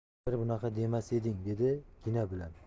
ilgari bunaqa demas eding dedi gina bilan